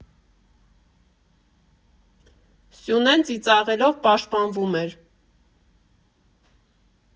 Սյունեն ծիծաղելով պաշտպանվում էր։